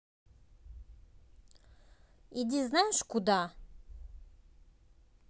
иди знаешь куда